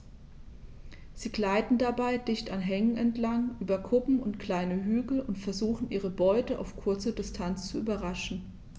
Sie gleiten dabei dicht an Hängen entlang, über Kuppen und kleine Hügel und versuchen ihre Beute auf kurze Distanz zu überraschen.